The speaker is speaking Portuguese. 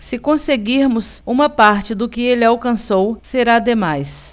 se conseguirmos uma parte do que ele alcançou será demais